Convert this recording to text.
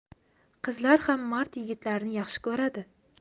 qizlar ham mard yigitlarni yaxshi ko'radi